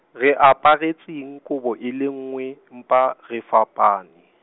re a aparetseng kobo e le nngwe empa re fapane.